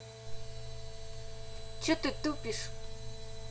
что ты тупишь